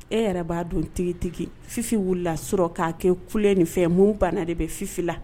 E yɛrɛ b'a don tigitigi fifi wulila sɔrɔ k'a kɛ kulɛ nin fɛ mun banna de bɛ fifila